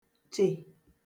chè